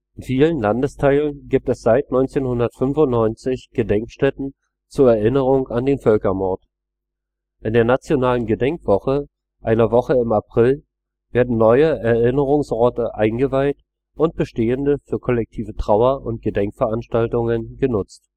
In vielen Landesteilen gibt es seit 1995 Gedenkstätten zur Erinnerung an den Völkermord. In der nationalen Gedenkwoche, einer Woche im April, werden neue Erinnerungsorte eingeweiht und bestehende für kollektive Trauer - und Gedenkveranstaltungen genutzt